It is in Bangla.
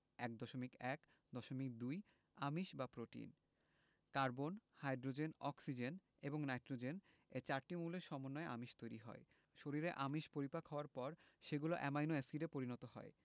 ১.১.২ আমিষ বা প্রোটিন কার্বন হাইড্রোজেন অক্সিজেন এবং নাইট্রোজেন এ চারটি মৌলের সমন্বয়ে আমিষ তৈরি হয় শরীরে আমিষ পরিপাক হওয়ার পর সেগুলো অ্যামাইনো এসিডে পরিণত হয়